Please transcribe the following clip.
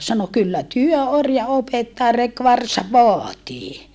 sanoi kyllä työ orjan opettaa reki varsan vaatii